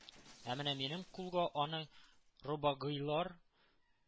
Ә менә минем кулга аның “Робагыйлар”